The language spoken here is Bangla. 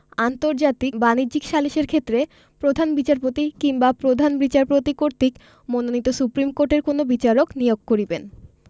আন্তর্জাতিক বাণিজ্যিক সালিসের ক্ষেত্রে প্রধান বিচারপতি কিংবা প্রধান বিচারপতি কর্তৃক মনোনীত সুপ্রীম কোর্টের কোন বিচারক নিয়োগ করিবেন